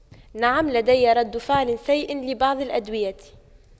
نعم لدي رد فعل سيء لبعض الأدوية